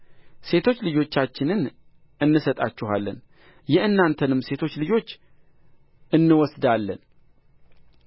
ሴቶች ልጆቻችንን እንሰጣችኋለን የእናንተንም ሴቶች ልጆች እንወስዳለን